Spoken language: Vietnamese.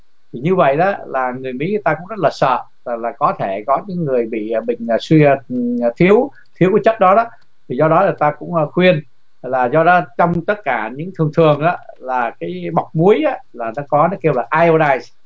như vậy đó là người mỹ người ta cũng rất là sợ là có thể có những người bị bệnh suy thiếu thiếu cái chất đó đó do đó người ta cũng khuyên là do đó trong tất cả những thường thường là cái bọc muối là nó có nó kêu là ai ô đai